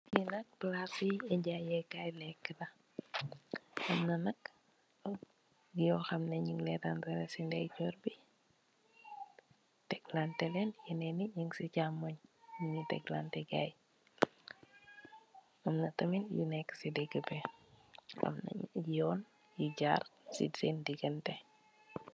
Fii nak plassi enjoy yeh kaii lehkue la, amna nak yor hamneh njing len raanzaleh chi ndeyjorr bii, teglanteh len, njenen njii njung cii chaamongh bii njungy teglanteh gaii, amna tamit nju neka cii digah bii, amna nju yon yu jarr cii sehn diganteh.